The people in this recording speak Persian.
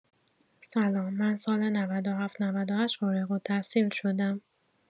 سلام من سال ۹۷ - ۹۸ فارغ‌التحصیل شدم.